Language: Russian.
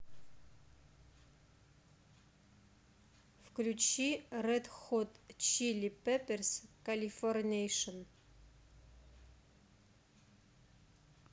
включи ред хот чили пеперс калифорникейшен